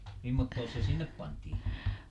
mimmottoos se sinne pantiin